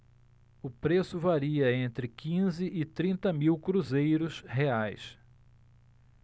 o preço varia entre quinze e trinta mil cruzeiros reais